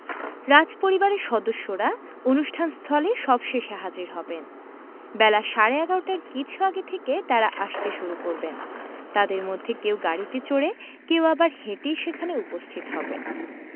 রাজপরিবারের সদস্যরা অনুষ্ঠান স্থলে সবশেষে হাজির হবেন বেলা সাড়ে ১১টার কিছু আগে থেকে তাঁরা আসতে শুরু করবেন তাঁদের মধ্যে কেউ গাড়িতে চড়ে কেউ আবার হেঁটেই সেখানে উপস্থিত হবেন